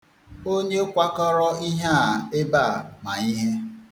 Onye kwakọrọ ihe a ebe a ma ihe.